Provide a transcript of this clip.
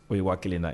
O ye waa kelen na ye